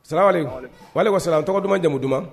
Sara wala wa siran an tɔgɔ duman jamu duman